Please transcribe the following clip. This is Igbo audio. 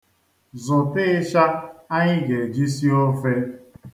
Zụta ịsha anyị ga-eji sie ofe.